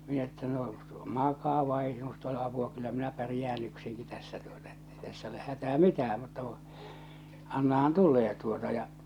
minä että no makaa vain ei sinusta ole apua kyllä minä pärjään yksinkin tässä tuota että ei tässä ole hätää mitään mutta kun annahan tulee tuota ja